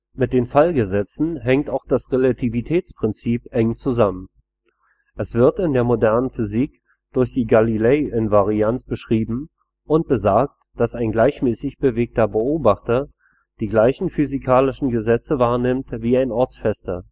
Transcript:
Mit den Fallgesetzen hängt auch das Relativitätsprinzip eng zusammen. Es wird in der modernen Physik durch die Galilei-Invarianz beschrieben und besagt, dass ein gleichmäßig bewegter Beobachter die gleichen physikalischen Gesetze wahrnimmt wie ein ortsfester